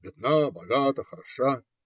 Бедна, богата, хороша?